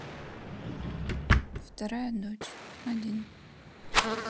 вторая дочь один